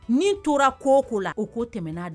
Ni' tora ko'' la koo tɛmɛna'